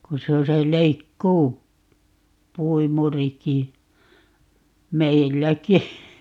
kun se on se - leikkuupuimurikin meilläkin